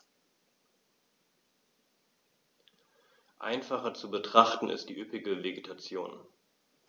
Einfacher zu betrachten ist die üppige Vegetation.